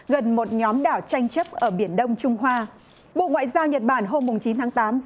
gần một nhóm đảo tranh chấp ở biển đông trung hoa bộ ngoại giao nhật bản hôm mùng chín tháng tám